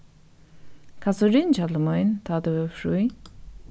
kanst tú ringja til mín tá tú hevur frí